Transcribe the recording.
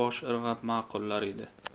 bosh irg'ab ma'qullar edi